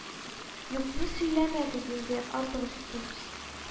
Юкны сөйләмәгез инде, Атос дус